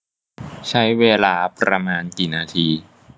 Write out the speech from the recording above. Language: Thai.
ใช้เวลาประมาณกี่นาที